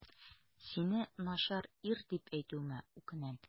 Сине начар ир дип әйтүемә үкенәм.